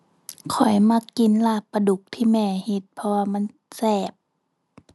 ข้อยมักกินลาบปลาดุกที่แม่เฮ็ด เพราะว่ามันแซ่บ